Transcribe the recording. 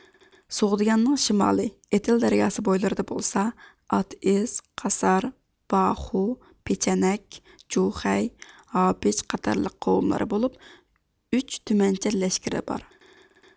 سوغدىيانىنىڭ شىمالى ئېتىل دەرياسى بويلىرىدا بولسا ئاتېئىز قاسار باخۇ پېچەنەك جۇخەي ھابېچقاتارلىق قوۋملار بولۇپ ئۈچ تۈمەنچە لەشكىرى بار